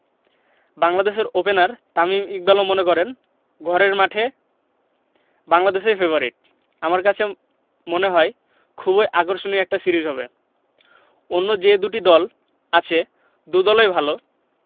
বাংলাদেশের ওপেনার তামিম ইকবালও মনে করেন ঘরের মাঠে বাংলাদেশই ফেবারিট আমার কাছে মনে হয় খুবই আকর্ষণীয় একটা সিরিজ হবে অন্য যে দুটি দল আছে দুই দলই ভালো